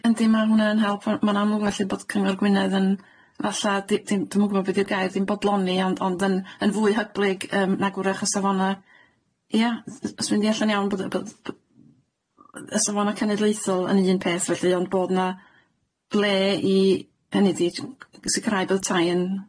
Yndi yndi ma' hwnna'n help ma' ma'n amlwg felly bod cyngor Gwynedd yn falla di- dim dwi'm yn gwbo be' di'r gair dim bodloni ond ond yn yn fwy hyblyg yym nag 'w'rach y safona ia s- s- os dwi'n deall yn iawn bod y b- b- y safona cenedleuthol yn un peth felly ond bod 'na le i hynny di i- sicirai bod y tai yn